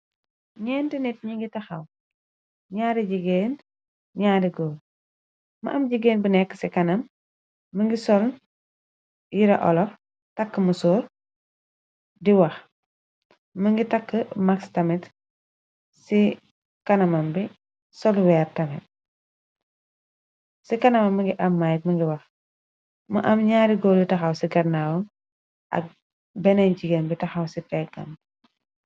Nyeenti nit ñi ngi taxaw nyaari jigeen, naari goor. Am na jigéen bi nekk ci kanam mi ngi sol yira olaf tàkk mu sóor di wax , mi ngi takk max tamit ci kanamam bi sol weer tamit, ci kanamam mi ngi am mayg mi ngi wax, mu am ñaari góor taxaw ci garnaawam ak beneñ jigéen bi taxaw ci peygam bi.